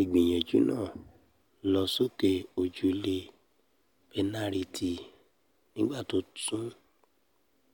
Ìgbìyànjú náà lọ sókè ojúlé pẹnáritì nígbà tó tún